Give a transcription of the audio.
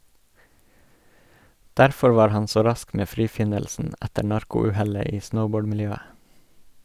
Derfor var han så rask med frifinnelsen etter narko-uhellet i snowboard-miljøet.